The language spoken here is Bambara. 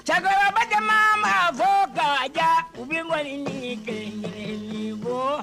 Cɛkɔrɔbabakɛ ma fo ka diya u bɛ bɔ ɲinili ko